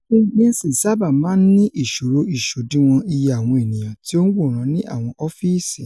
Àtipé Nielsen sáábà máa ń ní ìṣòro ìṣòdiwọ̀n iye àwọn ènìyàn ti o ń wòran ní àwọn ọ́fíìsì.